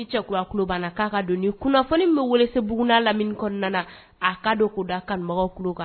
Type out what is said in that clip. Ni Cɛkura kulo b'an na k'a ka donni kunnafoni min bɛ Welesebugu n'a lamini kɔnɔna a ka don k'o da kanunbagaw kulo kan